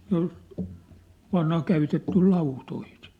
se oli vanha käytetty lautoihin